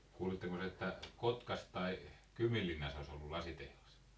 kuulittekos että Kotkassa tai Kyminlinnassa olisi ollut lasitehdas